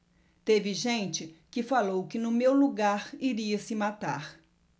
teve gente que falou que no meu lugar iria se matar